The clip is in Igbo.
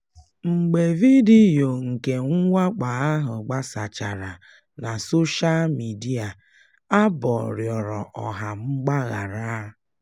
Mgbe vidiyo nke mwakpo ahụ gbasachara na soshaa midịa, Abbo rịọrọ ọha mgbaghara.